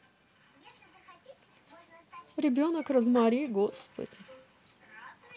ребенок розмари господи